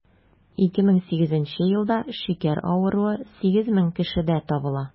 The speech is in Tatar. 2008 елда шикәр авыруы 8 мең кешедә табыла.